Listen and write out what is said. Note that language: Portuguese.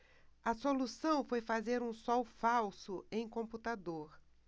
a solução foi fazer um sol falso em computador